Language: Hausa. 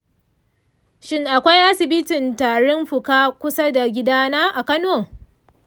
shin akwai asibitan tarin fuka kusa da gidana a kano?